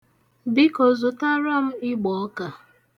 Biko zụtara m ịgbọọka.